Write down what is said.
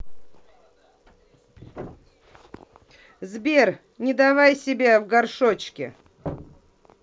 сбер не давай себя в горшочке